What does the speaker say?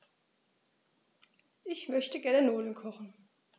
Ich möchte gerne Nudeln kochen.